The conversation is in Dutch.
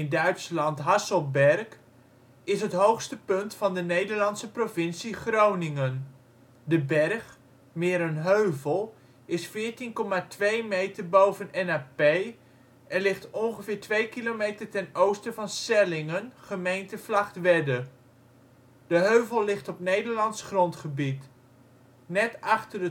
Duitsland Hasselberg) is het hoogste punt van de Nederlandse provincie Groningen. De berg, meer een heuvel, is 14,2 meter + NAP en ligt ongeveer 2 km ten oosten van Sellingen (gemeente Vlagtwedde). De heuvel ligt op Nederlands grondgebied. Net achter